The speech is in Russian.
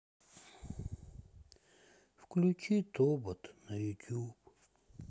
включи тобот на ютуб